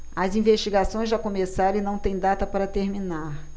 as investigações já começaram e não têm data para terminar